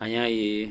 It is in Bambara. An y'a ye